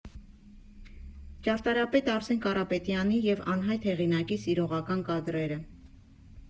Ճարտարապետ Արսեն Կարապետյանի և անհայտ հեղինակի սիրողական կադրերը։